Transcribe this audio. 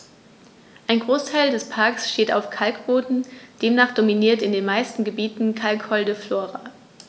Ein Großteil des Parks steht auf Kalkboden, demnach dominiert in den meisten Gebieten kalkholde Flora.